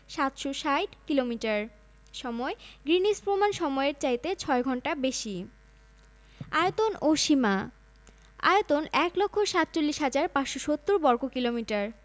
৭৬০ kilometre সময়ঃ Greenwich প্রমাণ সমইয়ের চাইতে ৬ ঘন্টা বেশি আয়তন ও সীমাঃ আয়তন ১লক্ষ ৪৭হাজার ৫৭০বর্গকিলোমিটার